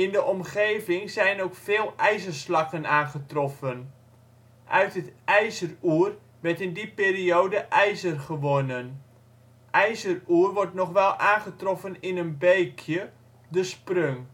de omgeving zijn ook veel ijzerslakken aangetroffen. Uit het ijzeroer werd in die periode ijzer gewonnen. IJzeroer wordt nog wel aangetroffen in een beekje, de Sprung